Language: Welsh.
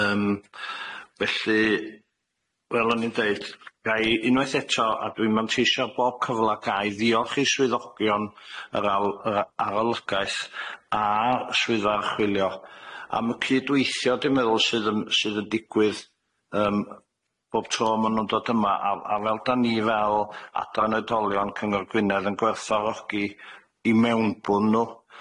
Yym felly, fel o'n i'n deud, ga'i unwaith eto, a dwi'n manteisio bob cyfla ga'i ddiolch i swyddogion yr al- yy arolygaeth a swyddfa archwilio, am y cydweithio dwi'n meddwl sydd yn sydd yn digwydd yym bob tro ma' nw'n dod yma, a a fel 'dan ni fel adran oedolion cyngor Gwynedd yn gwerthfawrogi i mewnbwn nw.